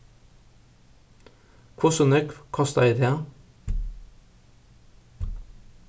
hvussu nógv kostaði tað